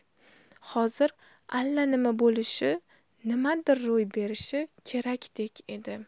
hozir alla nima bo'lishi nimadir ro'y berishi kerakdek edi